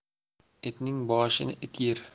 itning boshini it yer